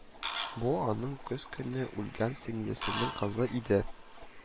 Бу – аның көз көне үлгән сеңлесенең кызы иде